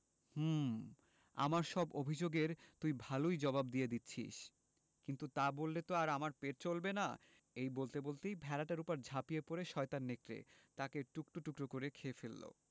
হুম আমার সব অভিযোগ এর তুই ভালই জবাব দিয়ে দিচ্ছিস কিন্তু তা বললে তো আর আমার পেট চলবে না এই বলতে বলতেই ভেড়াটার উপর ঝাঁপিয়ে পড়ে শয়তান নেকড়ে তাকে টুকরো টুকরো করে খেয়ে ফেলল